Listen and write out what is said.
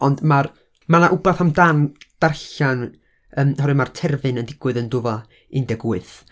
Ond ma'r, ma' 'na rhywbeth amdan darllen, yym, oherwydd ma'r terfyn yn digwydd yn dwy fil un deg wyth.